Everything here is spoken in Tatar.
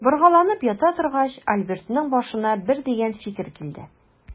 Боргаланып ята торгач, Альбертның башына бер дигән фикер килде.